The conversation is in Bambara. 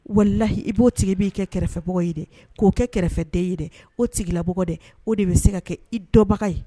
Walahi i b'o tigi b'i kɛ kɛrɛfɛbagaw ye dɛ k'o kɛ kɛrɛfɛ de ye dɛ o tigilaɔgɔ dɛ o de bɛ se ka kɛ i dɔbaga ye